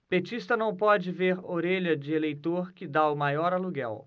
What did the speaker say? petista não pode ver orelha de eleitor que tá o maior aluguel